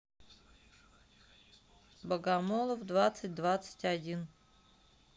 богомолов двадцать двадцать один